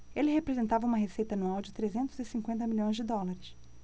ele representava uma receita anual de trezentos e cinquenta milhões de dólares